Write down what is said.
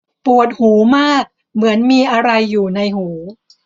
ปวดหูมากเหมือนมีอะไรอยู่ในหู